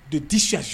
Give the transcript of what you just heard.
U tɛ sisu